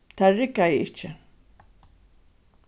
tað riggaði ikki